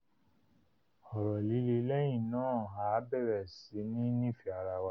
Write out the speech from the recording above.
Ọ̀rọ líle ‘léyìn náà a ábẹrẹ siní n’ìfẹ arawá́'